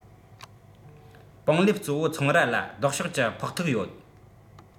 པང ལེབ གཙོ བོ ཚོང ར ལ ལྡོག ཕྱོགས ཀྱི ཕོག ཐུག ཡོད